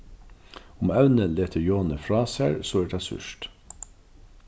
um evnið letur jonir frá sær so er tað súrt